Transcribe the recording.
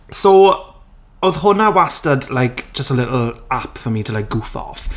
So, oedd hwnna wastad like just a little app for me to like goof off.